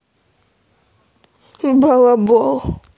балабол